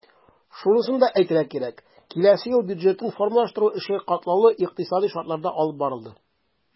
Шунысын да әйтергә кирәк, киләсе ел бюджетын формалаштыру эше катлаулы икътисадый шартларда алып барылды.